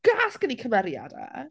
Gas gen i cymeriad e!